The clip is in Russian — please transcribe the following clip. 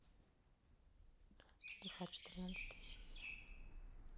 лихач тринадцатая серия